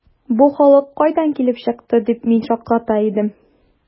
“бу халык кайдан килеп чыкты”, дип мин шакката идем.